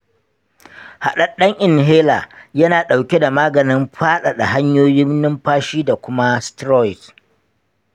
haɗaɗɗen inhaler yana ɗauke da maganin faɗaɗa hanyoyin numfashi da kuma steroid.